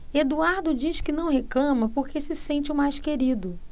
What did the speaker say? eduardo diz que não reclama porque se sente o mais querido